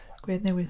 ..Gwedd newydd.